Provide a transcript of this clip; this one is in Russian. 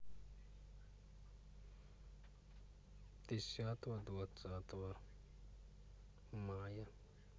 скажи расписание мира чемпионата мира по хоккею